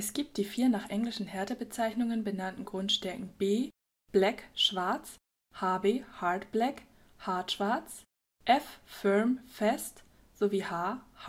gibt die vier nach englischen Härtebezeichnungen benannten Grundstärken B (black, „ schwarz “), HB (hard-black, „ hart-schwarz “), F (firm, „ fest “) sowie H (hard, „ hart